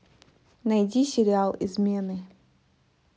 найди сериал измены